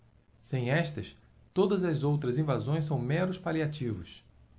sem estas todas as outras invasões são meros paliativos